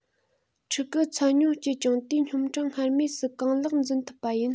ཕྲུ གུ ཚད ཉུང སྐྱེས ཀྱང དེའི སྙོམས གྲངས སྔར མུས སུ གང ལེགས འཛིན ཐུབ པ ཡིན